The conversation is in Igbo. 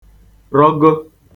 rọgọ